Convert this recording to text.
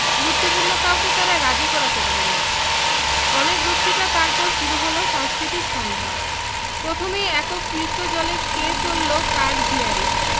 গুরুত্বপূর্ণ কাউকে তারা রাজি করাতে পারেনি অনেক বক্তৃতা তার পর শুরু হল সাংস্কৃতিক সন্ধ্যা প্রথমেই একক নৃত্যজলে কে চললো কার ঝিয়ারি